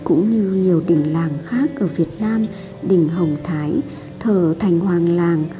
cũng như nhiều đình làng khác ở việt nam đình hồng thái thờ thành hoàng làng